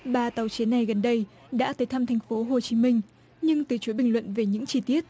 ba tàu chiến này gần đây đã tới thăm thành phố hồ chí minh nhưng từ chối bình luận về những chi tiết